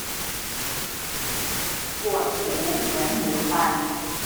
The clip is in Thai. ปวดหูเหมือนหูตัน